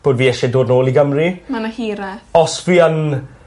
bod fi isie dod nôl i Gymru. Ma' 'na hireth. Os fi yn